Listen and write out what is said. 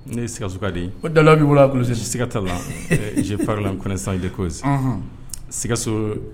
Ne ye sikaso ka di ko da' wolo bilisisi sɛgɛkatalafala sa de ko sikaso